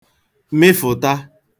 mịfụ̀ta